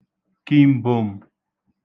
kim̄bom̄